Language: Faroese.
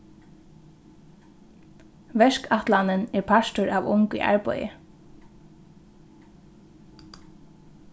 verkætlanin er partur av ung í arbeiði